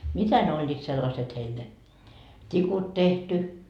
mitä ne olivat sellaiset heillä ne tikut tehty